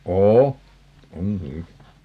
on on kyllä